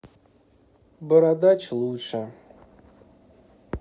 бородач лучшее